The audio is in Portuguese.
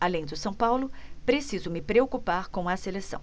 além do são paulo preciso me preocupar com a seleção